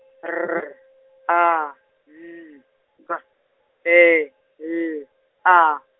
R, A, M, B E L A.